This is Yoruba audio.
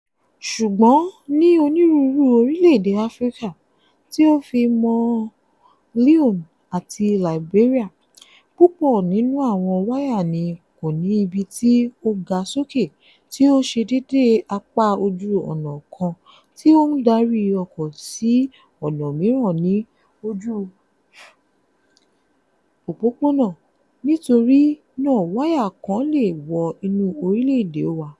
Ṣùgbọ́n, ní onírúurú orílẹ̀ èdè Áfríkà - tí ó fi mọ́ Leone àti Liberia - púpọ̀ nínú àwọn wáyà ni kò ní ibi tí ó ga sókè (tí ó ṣe déédé apá ojú ònà kan tí ó ń darí ọkọ sí ọ̀nà mìíràn ní ojú òpópónà), nítorí náà wáyà kan lè wọ inú orílẹ̀ èdè wá.